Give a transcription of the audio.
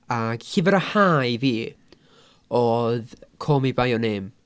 Ag llyfr yr Haf i fi oedd Call me by your name.